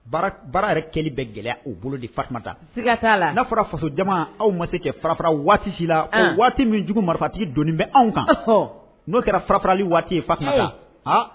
Baara yɛrɛ kɛlen bɛ gɛlɛya bolo detaiga t'a la n'a fɔra fasoja aw ma se kɛ farafara waatisi la waati minjugu marifatigi don bɛ anw kan n'o kɛra farafarali waati ye fa